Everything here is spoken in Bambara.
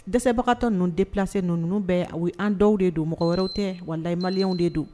Dɛsɛbagatɔ ninnu delase ninnu bɛɛ a u an dɔw de don mɔgɔ wɛrɛw tɛ wa lahimayaw de don